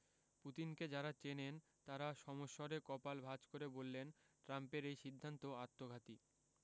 পুতিনকে যাঁরা চেনেন তাঁরা সমস্বরে কপাল ভাঁজ করে বললেন ট্রাম্পের এই সিদ্ধান্ত আত্মঘাতী